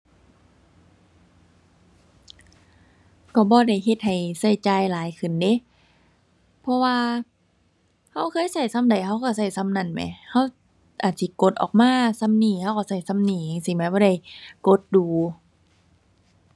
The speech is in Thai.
ก็บ่ได้เฮ็ดให้ก็จ่ายหลายขึ้นเดะ เพราะว่าก็เคยก็ส่ำใดก็ก็ก็ส่ำนั้นแหม ก็อาจสิกดออกมาส่ำนี้ก็ก็ก็ส่ำนี้ จั่งซี้แหม บ่ได้กดดู๋